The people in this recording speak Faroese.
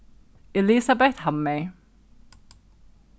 elisabeth hammer